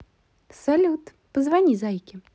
салют позвони зайке